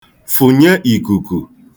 fụ̀nye ìkùkù